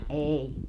ei